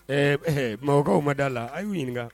Ɛɛ , ɛhɛɛ, Bamkɔkaw ma d'a la a y'u ɲininka.